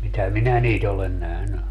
mitä minä niitä olen nähnyt